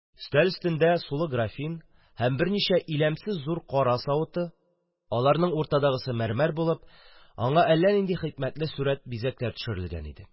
Өстәл өстендә – сулы графин һәм берничә иләмсез зур кара савыты; аларның уртадагысы мәрмәр булып, аңа әллә нинди хикмәтле сүрәт-бизәкләр төшерелгән иде.